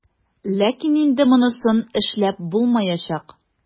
Ләкин инде монысын эшләп булмаячак.